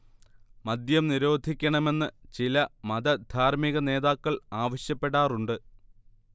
മദ്യം നിരോധിക്കണമെന്ന് ചില മത ധാർമ്മികനേതാക്കൾ ആവശ്യപ്പെടാറുണ്ട്